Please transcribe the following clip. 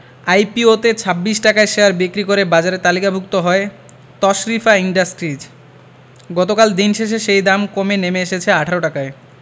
আইপিওতে ২৬ টাকায় শেয়ার বিক্রি করে বাজারে তালিকাভুক্ত হয় তশরিফা ইন্ডাস্ট্রিজ গতকাল দিন শেষে সেই দাম কমে নেমে এসেছে ১৮ টাকায়